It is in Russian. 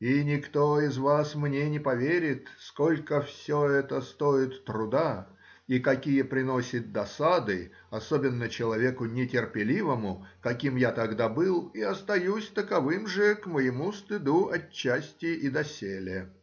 И никто из вас мне не поверит, сколько все это стоит труда и какие приносит досады, особенно человеку нетерпеливому, каким я тогда был и остаюсь таковым же, к моему стыду, отчасти и доселе.